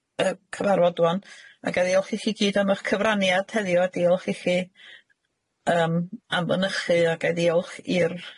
y cyfarfod ŵan, a ga i ddiolch ichi gyd am 'ych cyfraniad heddiw, a diolch ichi yym am fynychu, a ga i ddiolch i'r